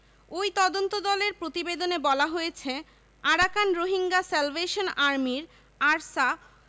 ওই তদন্তদলের প্রতিবেদনে বলা হয়েছে আরাকান রোহিঙ্গা স্যালভেশন আর্মির আরসা